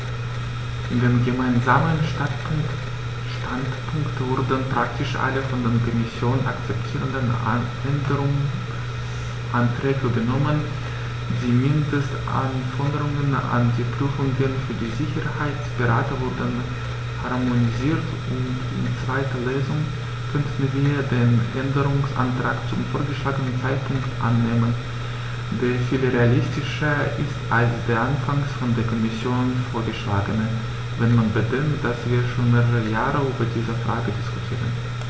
In den gemeinsamen Standpunkt wurden praktisch alle von der Kommission akzeptierten Änderungsanträge übernommen, die Mindestanforderungen an die Prüfungen für die Sicherheitsberater wurden harmonisiert, und in zweiter Lesung können wir den Änderungsantrag zum vorgeschlagenen Zeitpunkt annehmen, der viel realistischer ist als der anfangs von der Kommission vorgeschlagene, wenn man bedenkt, dass wir schon mehrere Jahre über diese Frage diskutieren.